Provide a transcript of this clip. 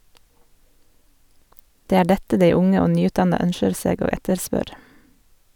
Det er dette dei unge og nyutdanna ønskjer seg og etterspør.